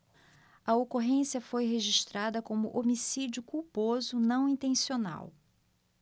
a ocorrência foi registrada como homicídio culposo não intencional